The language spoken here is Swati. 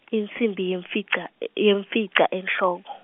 insimbi yemfica yemfica enhloko.